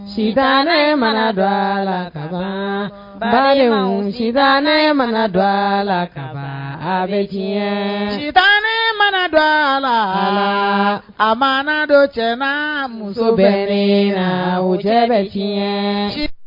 Ne mana dɔ la ka fa ne mana dɔ la ka bɛ si ne mana dɔ la a ma dɔ cɛ muso bɛ la o cɛ bɛ